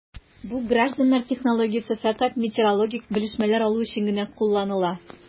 Бу гражданнар технологиясе фәкать метеорологик белешмәләр алу өчен генә кулланыла...